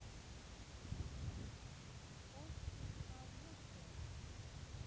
очень хорошее